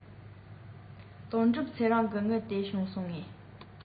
དོན གྲུབ ཚེ རིང གི དངུལ དེ བྱུང སོང ངས